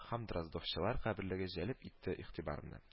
Һәм дроздовчылар каберлеге җәлеп итте игътибарымны